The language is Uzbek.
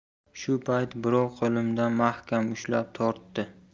shu payt birov qo'limdan mahkam ushlab tortdi